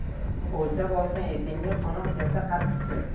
o'lchab osgan etingga qo'noq kelsa qattiq kun